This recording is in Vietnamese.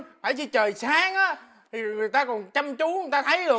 phải chi trời sáng á thì người ta còn chăm chú người ta thấy được